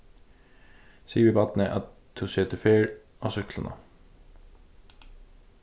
sig við barnið at tú setur ferð á súkkluna